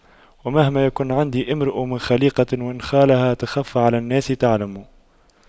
ومهما يكن عند امرئ من خَليقَةٍ وإن خالها تَخْفَى على الناس تُعْلَمِ